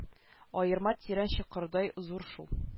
Аерма тирән чокырдай зур шул